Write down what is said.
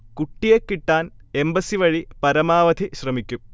കുട്ടിയെ കിട്ടാൻ എംബസി വഴി പരമാവധി ശ്രമിക്കും